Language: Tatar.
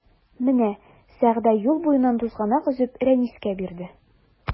Менә Сәгъдә юл буеннан тузганак өзеп Рәнискә бирде.